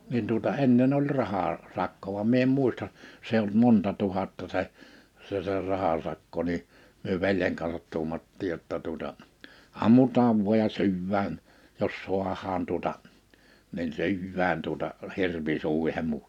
niin tuota ennen oli - rahasakko vaan minä en muista se ei ollut monta tuhatta se se se rahasakko niin me veljen kanssa tuumattiin jotta tuota ammutaan vain ja syödään jos saadaan tuota niin syödään tuota hirvi suihimme